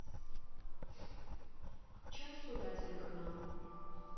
час суда телеканал